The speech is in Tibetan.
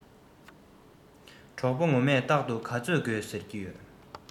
གྲོགས པོ ངོ མས རྟག དུ ག ཚོད དགོས ཟེར གྱི ཡོད